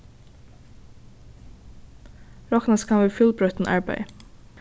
roknast kann við fjølbroyttum arbeiði